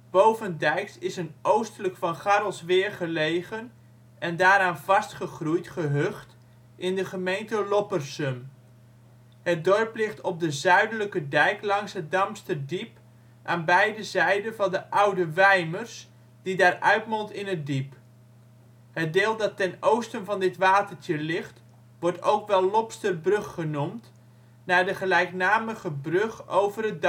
Bovendijks is een oostelijk van Garrelsweer en daar aan vastgegroeide gehucht in de gemeente Loppersum. Het dorp ligt op de zuidelijke dijk langs het Damsterdiep aan beide zijden van de Oude Wijmers die daar uitmondt in het diep. Het deel dat ten oosten van dit watertje ligt wordt ook wel Lopsterbrug genoemd, naar de gelijknamige brug over